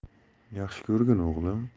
yaxshi ko'rgin o'g'lim